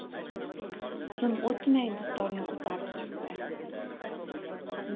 zum o'tmay dutorni ko'tarib chiqdi